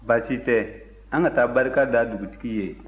baasi tɛ an ka taa barika da dugutigi ye